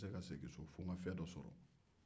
n tɛ se ka segin so fo n ka fɛn dɔ sɔrɔ